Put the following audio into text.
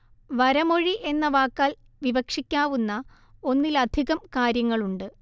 വരമൊഴി എന്ന വാക്കാൽ വിവക്ഷിക്കാവുന്ന ഒന്നിലധികം കാര്യങ്ങളുണ്ട്